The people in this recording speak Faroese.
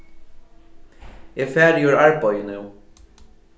eg fari úr arbeiði nú